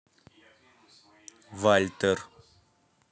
вальтер